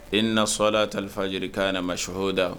E na sola tali joli ka yɛrɛ ma suɔhoda